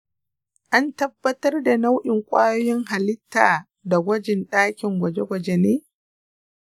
an tabbatar da nau’in kwayoyin halitta da gwajin dakin gwaje-gwaje ne?